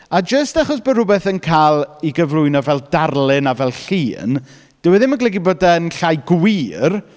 A jyst achos bod rhywbeth yn cael ei gyflwyno fel darlun a fel llun, dyw e ddim yn golygu bod e'n llai gwir.